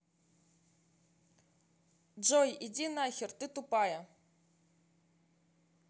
джой иди нахер ты тупая